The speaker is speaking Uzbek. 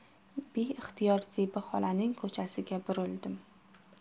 beixtiyor zebi xolaning ko'chasiga burildim